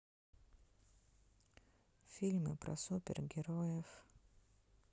фильмы про супергероев